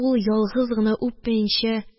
Ул ялгыз гына үпмәенчә